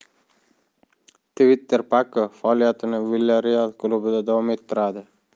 twitterpako faoliyatini vilyarreal klubida davom ettiradi